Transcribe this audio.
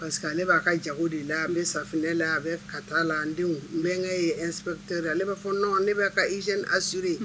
Parce que ne b'a ka jago de la an bɛ safinɛ la a bɛ ka taa la denw n bɛnkɛ yepte ale b'a nɔn ne bɛ'a ka izsure